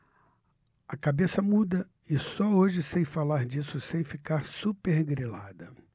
a cabeça muda e só hoje sei falar disso sem ficar supergrilada